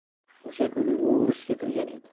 o'sha kuni u urushga kirgan edi